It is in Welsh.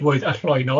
Roedd y llwynog